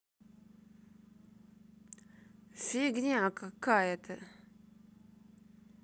фигня какая то